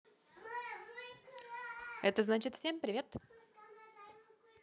это значит всем привет